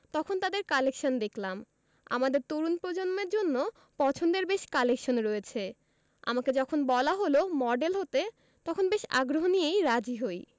তখন তাদের কালেকশান দেখলাম আমাদের তরুণ প্রজন্মের জন্য পছন্দের বেশ কালেকশন রয়েছে আমাকে যখন বলা হলো মডেল হতে তখন বেশ আগ্রহ নিয়েই রাজি হই